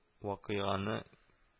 Вакиганы